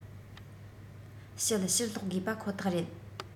བཤད ཕྱིར སློག དགོས པ ཁོ ཐག རེད